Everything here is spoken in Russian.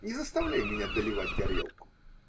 Не заставляй меня доливать горелку.